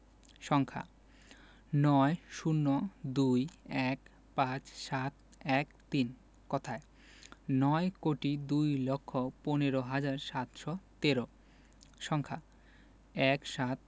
সংখ্যাঃ ৯ ০২ ১৫ ৭১৩ কথায়ঃ নয় কোটি দুই লক্ষ পনেরো হাজার সাতশো তেরো সংখ্যাঃ ১৭